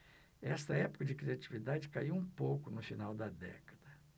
esta época de criatividade caiu um pouco no final da década